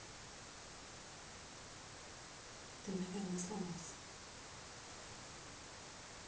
ты наверное сломался